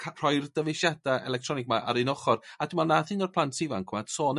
ca- rhoi'r dyfeisiada' electronig 'ma ar un ochr a dwi me'wl nath un o'r plant ifanc 'wan sôn